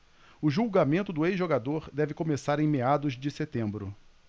o julgamento do ex-jogador deve começar em meados de setembro